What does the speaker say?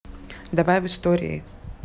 давай в истории